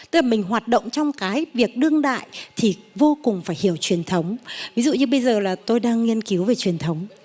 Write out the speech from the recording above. tức là mình hoạt động trong cái việc đương đại thì vô cùng phải hiểu truyền thống ví dụ như bây giờ là tôi đang nghiên cứu về truyền thống